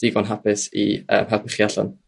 digon hapusi helpu chi allan.